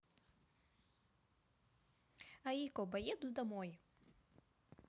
aikko поеду домой